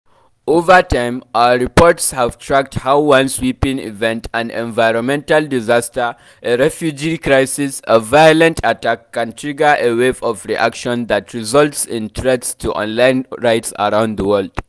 Over time, our reports have tracked how one sweeping event — an environmental disaster, a refugee crisis, a violent attack — can trigger a wave of reaction that results in threats to online rights around the world.